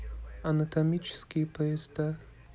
анатомические поезда